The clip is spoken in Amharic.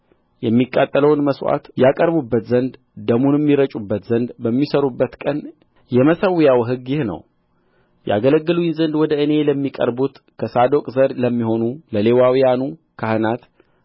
የሚቃጠለውን መሥዋዕት ያቀርቡበት ዘንድ ደሙንም ይረጩበት ዘንድ በሚሠሩበት ቀን የመሠዊያው ሕግ ይህ ነው ያገለግሉኝ ዘንድ ወደ እኔ ለሚቀርቡ ከሳዶቅ ዘር ለሚሆኑ ለሌዋውያኑ ካህናት